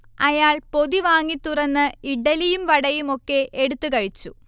അയാൾ പൊതി വാങ്ങി തുറന്ന് ഇഡ്ഢലിയും വടയുമൊക്കെ എടുത്തുകഴിച്ചു